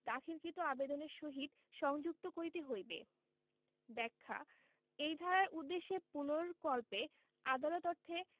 দাখিলকৃত আবেদনের সহিত সংযুক্ত করিতে হইবে ব্যাখ্যা এই ধারার উদ্দেশ্য পূরণকল্পে আদালত অর্থে